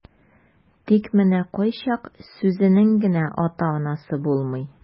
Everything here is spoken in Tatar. Тик менә кайчак сүзенең генә атасы-анасы булмый.